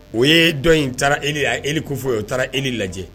O ye dɔn in taara e'e ko fɔ oo taara e lajɛ